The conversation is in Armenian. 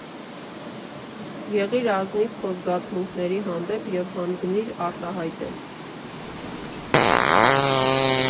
Եղիր ազնիվ քո զգացմունքների հանդեպ և հանդգնիր արտահայտել։